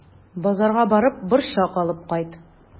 Базарга барып, борчак алып кайт.